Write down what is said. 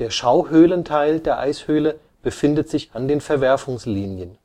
Schauhöhlenteil der Eishöhle befindet sich an den Verwerfungslinien